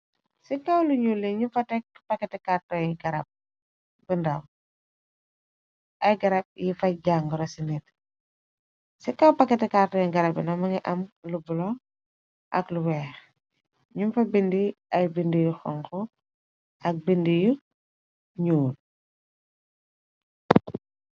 Ci kaw lu ñuli ñu fa tekk paketi kartong ngi garab bu ndaw. Ay garab yi faj jànguro ci nit. Ci kaw paketi kartongi garabi mun ngi am lu bulo ak lu weex, ñum fa bindi ay bindi yu xonxu ak bindi yu ñuul.